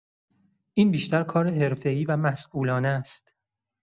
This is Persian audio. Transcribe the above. این بیشتر کار حرفه‌ای و مسئولانه‌ست.